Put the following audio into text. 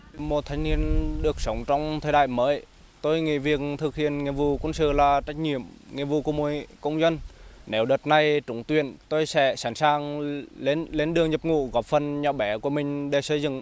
một thanh niên được sống trong thời đại mới tôi nghĩ việc thực hiện nghĩa vụ quân sự là trách nhiệm nghĩa vụ của mỗi công dân nếu đợt này trúng tuyển tôi sẽ sẵn sàng lên lên đường nhập ngũ góp phần nhỏ bé của mình để xây dựng